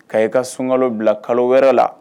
Ka ye ka sunka bila kalo wɛrɛ la